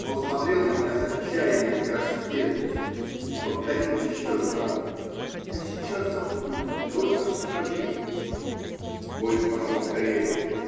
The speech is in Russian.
Он смотрел на меня с отчаянием и растерянностью и повторил еще два раза: -- Я сейчас забуду, только скажи. Поезд пошел скорее.